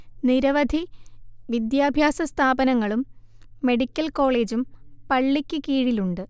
നിരവധി വിദ്യാഭ്യാസ സ്ഥാപനങ്ങളും മെഡിക്കൽ കോളേജും പള്ളിക്ക് കീഴിലുണ്ട്